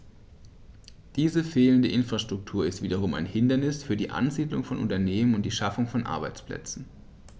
Diese fehlende Infrastruktur ist wiederum ein Hindernis für die Ansiedlung von Unternehmen und die Schaffung von Arbeitsplätzen.